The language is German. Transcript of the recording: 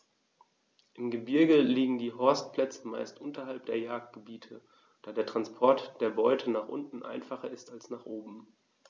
Im Gebirge liegen die Horstplätze meist unterhalb der Jagdgebiete, da der Transport der Beute nach unten einfacher ist als nach oben.